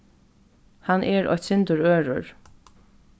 hann er eitt sindur ørur